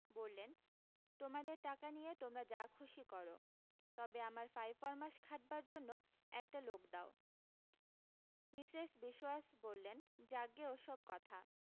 বললেন তোমাদের টাকা নিয়ে তোমরা যা খুশি করো তবে আমার ফাইফরমাস খাটবার জন্য একটা লোক দাও মিসেস বিশোয়াস বললেন যাকগে ওসব কথা